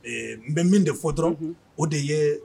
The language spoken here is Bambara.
Ɛɛ, n bɛ min de fɔ dɔrɔn, o de ye